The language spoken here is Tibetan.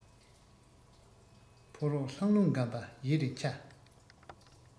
ཕོ རོག ལྷགས རླུང འགམ པ ཡི རེ འཕྱ